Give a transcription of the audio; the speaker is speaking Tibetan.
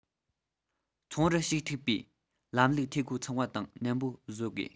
ཚོང རར ཞུགས འཐུས པའི ལམ ལུགས འཐུས སྒོ ཚང བ དང ནན པོ བཟོ དགོས